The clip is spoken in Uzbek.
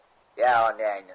he onangni